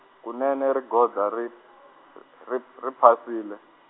kunene rigoda ri ri p-, ri phasile.